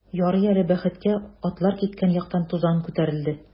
Ярый әле, бәхеткә, атлар киткән яктан тузан күтәрелде.